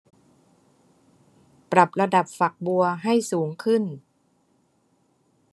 ปรับระดับฝักบัวให้สูงขึ้น